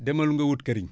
demal nga wut këriñ